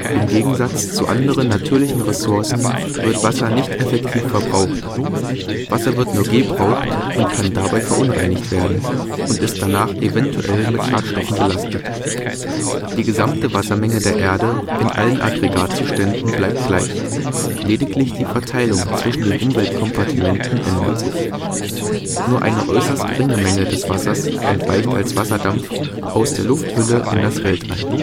Im Gegensatz zu anderen natürlichen Ressourcen wird Wasser nicht effektiv verbraucht. Wasser wird nur gebraucht und kann dabei verunreinigt werden und ist danach eventuell mit Schadstoffen belastet. Die gesamte Wassermenge der Erde in allen Aggregatzuständen bleibt gleich, lediglich die Verteilung zwischen den Umweltkompartimenten ändert sich. Nur eine äußerst geringe Menge des Wassers entweicht als Wasserdampf aus der Lufthülle in das Weltall